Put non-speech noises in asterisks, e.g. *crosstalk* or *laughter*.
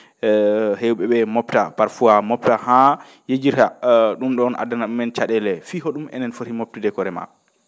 *hesitation* heew?e ?ee mobta parfois mobta haa njejira ?um ?oon addana ?umen ca?eele fii ho?um enen fori mobtude ko remaa koo